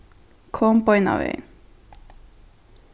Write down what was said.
kom beinanvegin